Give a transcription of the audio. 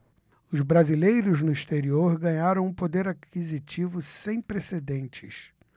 os brasileiros no exterior ganharam um poder aquisitivo sem precedentes